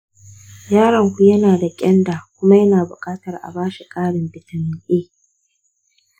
yaronku yana da ƙyanda kuma yana buƙatar a bashi ƙarin bitamin a.